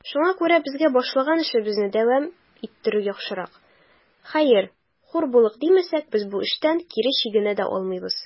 Шуңа күрә безгә башлаган эшебезне дәвам иттерү яхшырак; хәер, хур булыйк димәсәк, без бу эштән кире чигенә дә алмыйбыз.